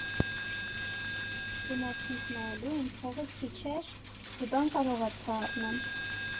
Գնացինք նայելու, իմ փողը քիչ էր, մի բան կարողացա առնեմ։